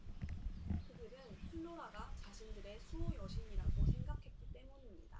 그들은 플로라가 자신들의 수호 여신이라고 생각했기 때문입니다